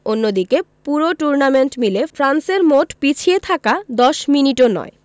অন্যদিকে পুরো টুর্নামেন্ট মিলে ফ্রান্সের মোট পিছিয়ে থাকা ১০ মিনিটও নয়